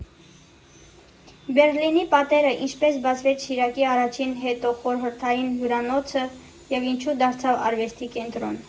Բեռլինի պատերը Ինչպես բացվեց Շիրակի առաջին հետոխորհրդային հյուրանոցը և ինչու դարձավ արվեստի կենտրոն։